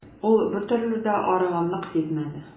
Ул бертөрле дә арыганлык сизмәде.